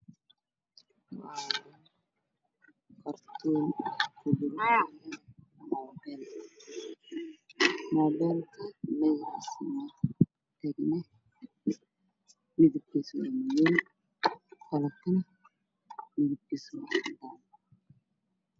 Waa mobile waxa uu leeyahay gal cagaar ah waxaana moobeelkaas uu dulsaaran yahay miis jaalle ah moobeelkan dab buu ku jiraa